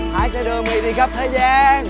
thái sẽ đưa mi đi khắp thế gian